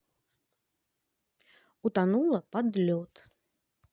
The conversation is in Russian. утонула под лед